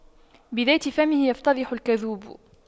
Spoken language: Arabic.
بذات فمه يفتضح الكذوب